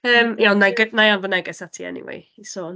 Yym, ie ond wna i g- wna i anfon neges ati hi eniwe i sôn.